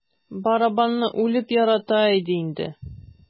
Барабанны үлеп ярата иде инде.